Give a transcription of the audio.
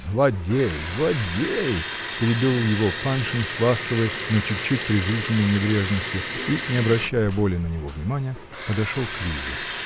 -- Злодей, злодей, -- перебил его Паншин с ласковой, но чуть-чуть презрительной небрежностью и, не обращая более на него внимания, подошел к Лизе.